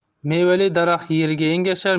mevali daraxt yerga engashar